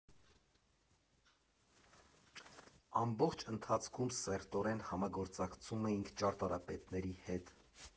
Ամբողջ ընթացքում սերտորեն համագործակցում էինք ճարտարապետների հետ։